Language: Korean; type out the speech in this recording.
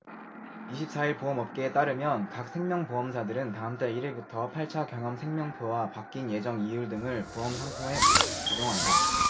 이십 사 일 보험업계에 따르면 각 생명보험사들은 다음달 일 일부터 팔 차 경험생명표와 바뀐 예정이율 등을 보험상품에 적용한다